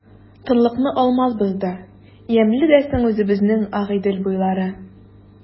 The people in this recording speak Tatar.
Тынлыкны Алмаз бозды:— Ямьле дә соң үзебезнең Агыйдел буйлары!